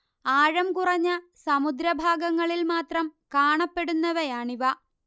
ആഴംകുറഞ്ഞ സമുദ്രഭാഗങ്ങളിൽ മാത്രം കാണപ്പെടുന്നവയാണിവ